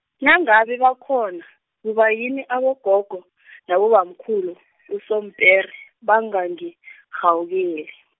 nangabe bakhona, kubayini abogogo , nabobamkhulu usompere, bangangirhawukeli.